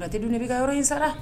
Bari a cɔ de dun bɛ ka yɔrɔ in sara